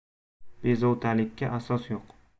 bezovtalikka asos yo'q